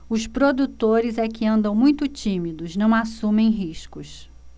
os produtores é que andam muito tímidos não assumem riscos